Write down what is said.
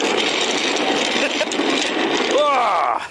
O!